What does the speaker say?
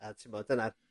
a t'mod dyna